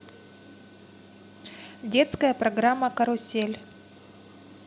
детская программа карусель